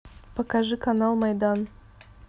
покажи канал майдан